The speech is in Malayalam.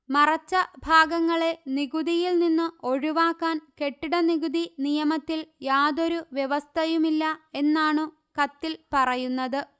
മറച്ച ഭാഗങ്ങളെ നികുതിയിൽ നിന്നു ഒഴിവാക്കാൻകെട്ടിട നികുതി നിയമത്തിൽ യാതൊരു വ്യവസ്ഥയുമില്ല എന്നാണു കത്തിൽ പറയുന്നത്